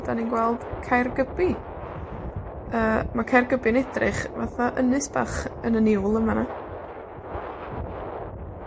'dan ni'n gweld Caergybi. Yy, ma' Caergybi'n edrych fatha ynys bach yn y niwl yn fan 'na.